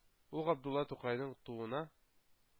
Ул Габдулла Тукайның тууына